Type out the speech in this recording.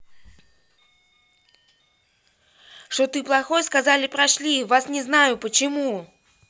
что ты плохой сказал прошли вас не знаю почему